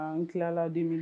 An tilala